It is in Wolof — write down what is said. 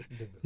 dëgg la